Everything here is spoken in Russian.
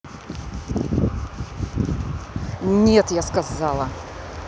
нет я сказала